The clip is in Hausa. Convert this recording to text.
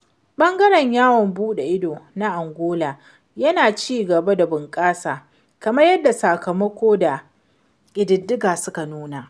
Ɓangaren yawon buɗe ido na Angola yana ci gaba da bunƙasa, kamar yadda sakamako da ƙididdiga suka nuna.